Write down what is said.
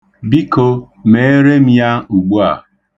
Biko, meere m ya ugbua.